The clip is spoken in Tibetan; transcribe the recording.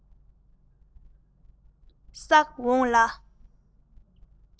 བསག འོང ལ